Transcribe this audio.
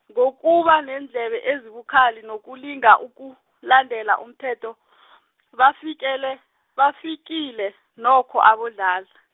ngokuba neendlebe ezibukhali nokulinga ukulandela umthetho , bafikile bafikile, nokho aboDladla.